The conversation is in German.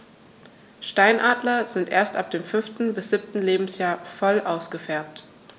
Steinadler sind erst ab dem 5. bis 7. Lebensjahr voll ausgefärbt.